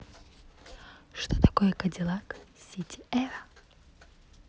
что такое кадиллак сити эви